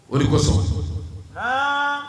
O de ko